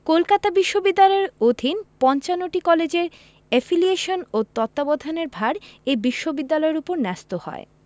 কলকাতা বিশ্ববিদ্যালয়ের অধীন ৫৫টি কলেজের এফিলিয়েশন ও তত্ত্বাবধানের ভার এ বিশ্ববিদ্যালয়ের ওপর ন্যস্ত হয়